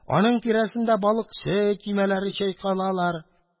Алар тирәсендә балыкчы көймәләре чайкалалар.